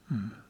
mm